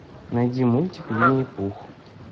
найди мультик винни пух